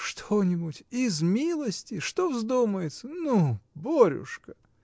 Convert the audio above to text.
— Что-нибудь: из милости, что вздумается! Ну, Борюшка!